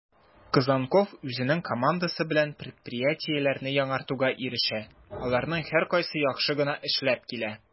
Козонков үзенең командасы белән предприятиеләрне яңартуга ирешә, аларның һәркайсы яхшы гына эшләп килә: